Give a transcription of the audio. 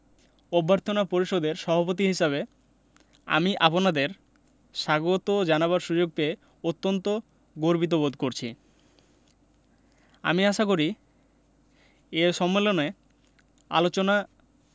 অভ্যর্থনা পরিষদের সভাপতি হিসেবে আমি আপনাদের স্বাগত জানাবার সুযোগ পেয়ে অত্যন্ত গর্বিত বোধ করছি আমি আশা করি এ সম্মেলনে আলোচনা